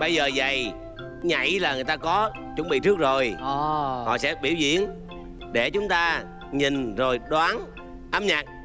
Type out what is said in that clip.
bây giờ dày nhảy là người ta có chuẩn bị trước rồi họ sẽ biểu diễn để chúng ta nhìn rồi đoán âm nhạc